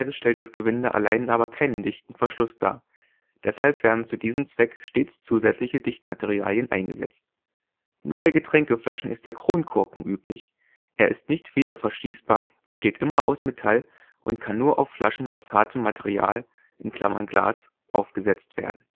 stellt das Gewinde allein aber keinen dichten Verschluss dar. Deshalb werden zu diesem Zweck stets zusätzliche Dichtmaterialien eingesetzt. Nur bei Getränkeflaschen ist der Kronkorken üblich. Er ist nicht wiederverschließbar, besteht immer aus Metall und kann nur auf Flaschen aus hartem Material (Glas) aufgesetzt werden